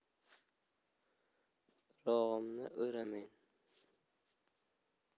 o'rog'imni o'ramen